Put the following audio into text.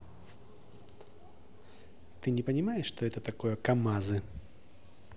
ты не понимаешь что это такое камазы